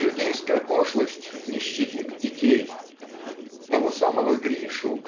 Житейская пошлость не щадит детей. Того самого Гришу